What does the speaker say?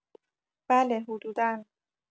بله حدودا